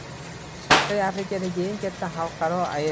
sharqiy afrikadagi eng katta alqaro